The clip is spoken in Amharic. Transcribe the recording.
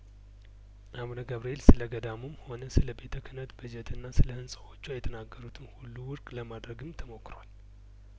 አቡነ ገብርኤል ስለገዳሙም ሆነ ስለቤተ ክህነት በጀትና ስለህንጻዎቿ የተናገሩትን ሁሉ ውድቅ ለማድረግም ተሞክሯል